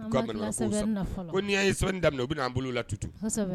Ko ko n'i y'a ye daminɛ u bɛna an bolo la tutu